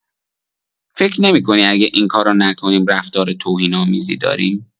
فکر نمی‌کنی اگه این کارو نکنیم رفتار توهین‌آمیزی داریم؟